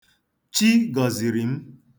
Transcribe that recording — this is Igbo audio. Chi gọziri m.